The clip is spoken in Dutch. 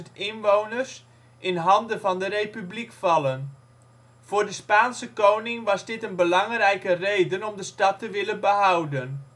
inwoners, in handen van de Republiek vallen. Voor de Spaanse koning was dit een belangrijke reden om de stad te willen behouden